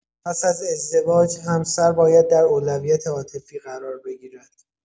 پس از ازدواج، همسر باید در اولویت عاطفی قرار بگیرد.